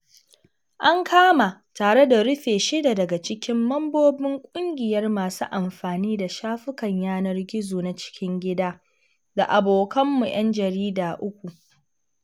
An kama tare da rufe shida daga cikin mambobin ƙungiyar masu amfani da shafukan yanar gizo na cikin gida da abokanmu 'yan jarida uku.